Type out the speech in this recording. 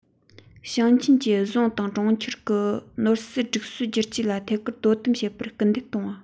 ཞིང ཆེན གྱིས རྫོང གྲོང ཁྱེར གི ནོར སྲིད སྒྲིག སྲོལ བསྒྱུར བཅོས ལ ཐད ཀར དོ དམ བྱེད པར སྐུལ འདེད གཏོང བ